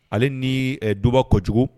Ale ni Doba Kocogo.